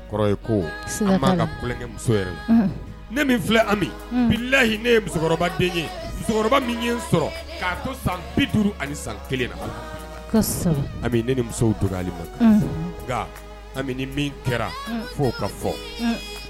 Kɔrɔ ko ka ne filɛ layi ne musokɔrɔba den ye musokɔrɔba min sɔrɔ k' to san bi duuru ani san kelen na ne muso don ma nka ami min kɛra fo ka fɔ